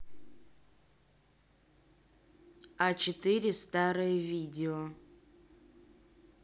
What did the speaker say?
а четыре старые видео